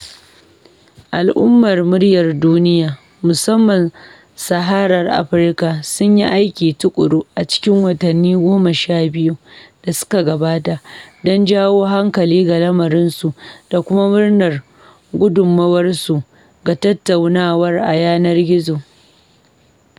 Al’ummar muryar duniya, musamman Saharar Afirka, sun yi aiki tuƙuru a cikin watanni goma sha biyu da suka gabata don jawo hankali ga lamarinsu da kuma murnar gudummawarsu ga tattaunawar a yanar gizo.